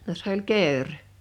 no se oli kekri